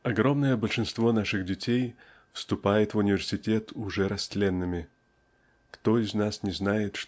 Огромное большинство наших детей вступает в университет уже растленными. Кто из нас не знает